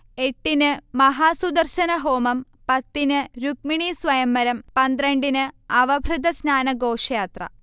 എട്ടിന് മഹാസുദർശനഹോമം, പത്തിന് രുക്മിണീസ്വയംവരം, പന്ത്രണ്ടിന് അവഭൃഥസ്നാന ഘോഷയാത്ര